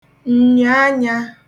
ǹnyòanyā